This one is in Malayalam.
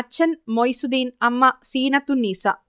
അച്ഛൻ മൊയ്സുദ്ദീൻ അമ്മ സീനത്തുന്നീസ